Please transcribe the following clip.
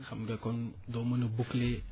xam nga kon doo mën a boucler